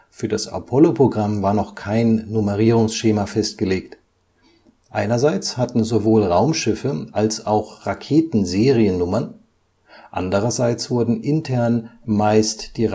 Für das Apollo-Programm war noch kein Nummerierungsschema festgelegt. Einerseits hatten sowohl Raumschiffe als auch Raketen Seriennummern, andererseits wurden intern meist die